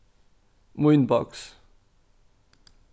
mínboks